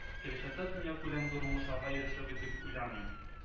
Киләчәктә дөньякүләм зур уңышларга ирешербез дип уйламыйм